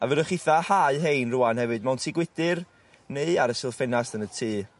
a fyddwch chitha hau rhein rŵan hefyd mewn tŷ gwydyr neu ar y silff ffenast yn y tŷ.